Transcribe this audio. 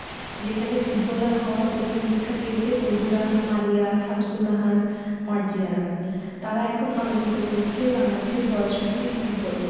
যেখানে ফুটবলার হওয়ার প্রথম দীক্ষা পেয়েছে তহুরা মারিয়া শামসুন্নাহার মার্জিয়ারা তারা এখন আলোকিত করছে বাংলাদেশের বয়সভিত্তিক ফুটবল